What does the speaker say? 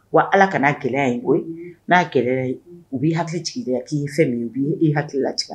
Wa ala kana'a gɛlɛya ye koyi n'a ye gɛlɛya ye u' hakili tigi a'i ye fɛn min u b' e hakili la